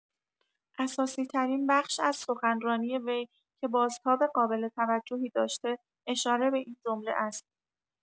اساسی‌ترین بخش از سخنرانی وی که بازتاب قابل توجهی داشته اشاره به این جمله است